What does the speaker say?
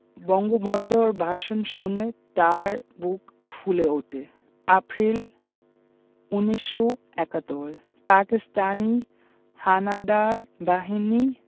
বঙ্গবন্ধুর ভাষণ শুনে তাঁর বুক ফুলে ওঠে এপ্রিল ১৯৭১ পাকিস্তানি হানাদার বাহিনী